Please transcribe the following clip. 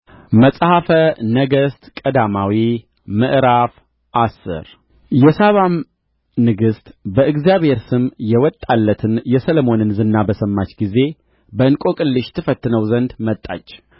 መጽሐፈ ነገሥት ቀዳማዊ ምዕራፍ አስር የሳባም ንግሥት በእግዚአብሔር ስም የወጣለትን የሰሎሞንን ዝና በሰማች ጊዜ በእንቆቅልሽ ትፈትነው ዘንድ መጣች